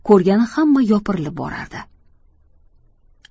ko'rgani hamma yopirilib borardi